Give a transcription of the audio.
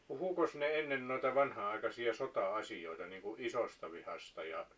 puhuikos ne ennen noita vanhanaikaisia sota-asioita niin kuin isostavihasta ja